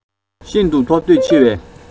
ཤིན ཏུ ཐོབ འདོད ཆེ བས